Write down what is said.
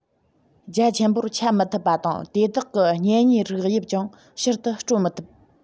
རྒྱ ཆེན པོར ཁྱབ མི ཐུབ པ དང དེ དག གི གཉེན ཉེའི རིགས དབྱིབས ཀྱང ཕྱིར དུ སྐྲོད མི ཐུབ